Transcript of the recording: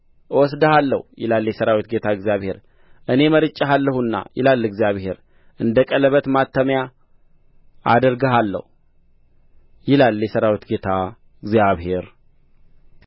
እወስድሃለሁ ይላል የሠራዊት ጌታ እግዚአብሔር እኔ መርጬሃለሁና ይላል እግዚአብሔር እንደ ቀለበት ማተሚያ አደርግሃለሁ ይላል የሠራዊት ጌታ እግዚአብሔር